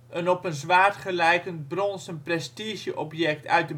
een op een zwaard gelijkend bronzen prestigeobject uit